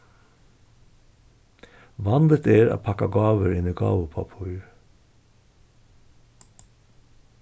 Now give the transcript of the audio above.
vanligt er at pakka gávur inn í gávupappír